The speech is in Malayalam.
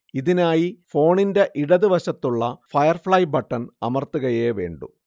ഇതിനായി ഫോണിന്റെ ഇടതുവശത്തുള്ള ഫയർഫ്ളൈ ബട്ടൺ അമർത്തുകയേ വേണ്ടൂ